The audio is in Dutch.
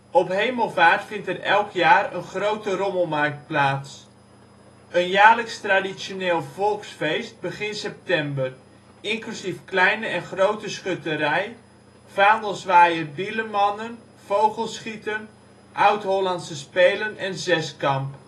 Op Hemelvaartsdag vindt er elk jaar een grote rommelmarkt plaats Een jaarlijks traditioneel volksfeest, begin september. Inclusief kleine en grote schutterij, Vaandelzwaaier Bielemannen, Vogelschieten, Oud-Hollandse spelen en zeskamp